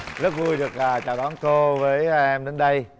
rất vui được chào đón cô với em đến đây